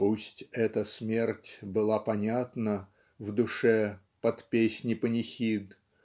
Пусть эта смерть была понятна В душе под песни панихид